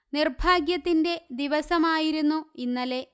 നിര്ഭാഗ്യത്തിന്റെ ദിവസമായിരുന്നു ഇന്നലെ